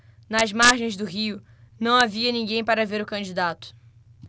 nas margens do rio não havia ninguém para ver o candidato